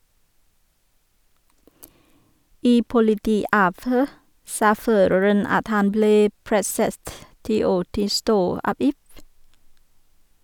I politiavhør sa føreren at han ble presset til å tilstå av If.